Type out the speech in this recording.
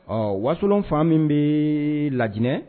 Ɔ wasolon fa min bɛ lainɛ